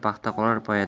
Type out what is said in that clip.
paxta qolar poyada